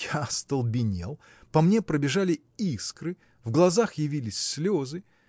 Я остолбенел, по мне побежали искры, в глазах явились слезы.